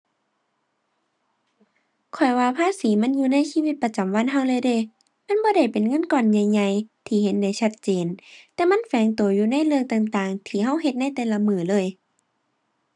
ข้อยว่าภาษีมันอยู่ในชีวิตประจำวันเราเลยเดะ มันบ่ได้เป็นเงินก้อนใหญ่ใหญ่ที่เห็นได้ชัดเจน แต่มันแฝงเราอยู่ในเรื่องต่างต่างที่เราเฮ็ดในแต่ละมื้อเลย